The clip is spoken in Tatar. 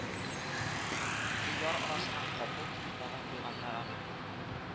Ике яр арасына капылт уртага куйганнар аны